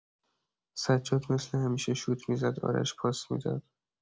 سجاد مثل همیشه شوت می‌زد، آرش پاس می‌داد.